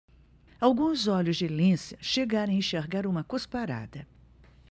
alguns olhos de lince chegaram a enxergar uma cusparada